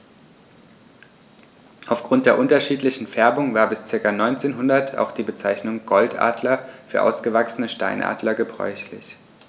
Auf Grund der unterschiedlichen Färbung war bis ca. 1900 auch die Bezeichnung Goldadler für ausgewachsene Steinadler gebräuchlich.